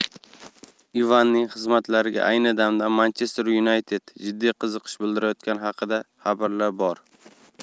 ivanning xizmatlariga ayni damda manchester yunayted jiddiy qiziqish bildirayotgani haqida xabarlar bor